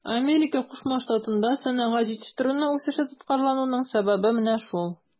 АКШта сәнәгать җитештерүе үсеше тоткарлануның сәбәбе менә шул.